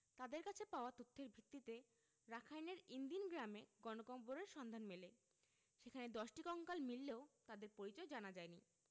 তাঁদের কাছে পাওয়া তথ্যের ভিত্তিতে রাখাইনের ইন দিন গ্রামে গণকবরের সন্ধান মেলে সেখানে ১০টি কঙ্কাল মিললেও তাদের পরিচয় জানা যায়নি